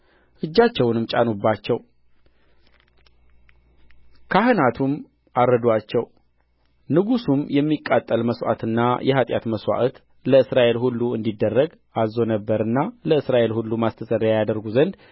እጃቸውንም ጫኑባቸው ካህናቱም አረዱአቸው ንጉሡም የሚቃጠል መሥዋዕትና የኃጢያት መሥዋዕት ለእስራኤል ሁሉ እንዲደረግ አዝዞ ነበርና ለእስራኤል ሁሉ ማስተስረያ ያደርጉ ዘንድ